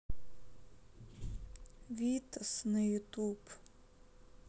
витас на ютюб